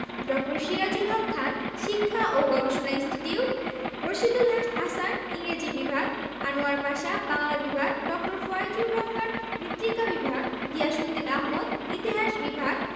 ড. সিরাজুল হক খান শিক্ষা ও গবেষণা ইনস্টিটিউট রাশীদুল হাসান ইংরেজি বিভাগ আনোয়ার পাশা বাংলা বিভাগ ড. ফজলুর রহমান মৃত্তিকা বিভাগ গিয়াসউদ্দিন আহমদ ইতিহাস বিভাগ